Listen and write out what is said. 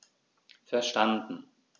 Verstanden.